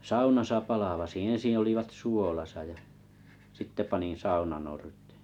saunassa palvasin ensin olivat suolassa ja sitten panin saunanorteen